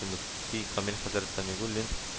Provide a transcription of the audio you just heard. Мөфти камил хәзрәт сәмигуллин